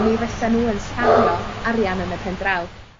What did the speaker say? mi fysa n'w yn safio arian yn y pen draw.